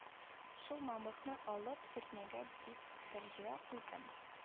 Шул мамыкны алып сөртмәгә дип фәрҗемә куйдым